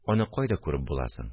– аны кайда күреп була соң